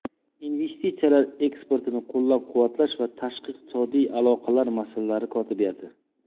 investitsiyalar eksportni qo'llab quvvatlash va tashqi iqtisodiy aloqalar masalalari kotibiyati